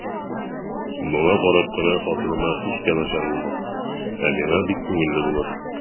Моңа карап кына хатыныма һич тә начар булмас, ә миңа күңелле булыр.